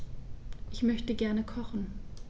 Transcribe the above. Ich möchte gerne kochen.